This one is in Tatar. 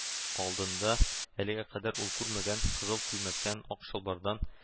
Алдында әлегә кадәр ул күрмәгән, кызыл күмәктән, ак чалбардан